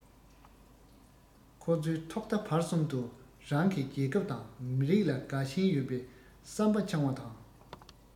ཁོ ཚོས ཐོག མཐའ བར གསུམ དུ རང གི རྒྱལ ཁབ དང མི རིགས ལ དགའ ཞེན ཡོད པའི བསམ པ འཆང བ དང